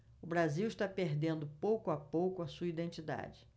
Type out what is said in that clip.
o brasil está perdendo pouco a pouco a sua identidade